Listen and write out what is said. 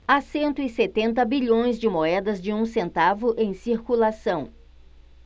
há cento e setenta bilhões de moedas de um centavo em circulação